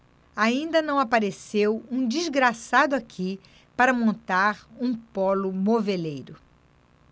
ainda não apareceu um desgraçado aqui para montar um pólo moveleiro